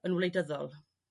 yn wleidyddol.